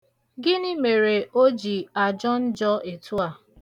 Gịnị mere o ji ajọ njọ etu a?